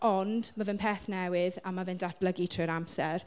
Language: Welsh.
Ond ma' fe'n peth newydd a ma' fe'n datblygu trwy'r amser.